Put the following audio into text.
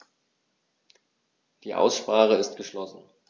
Die Aussprache ist geschlossen.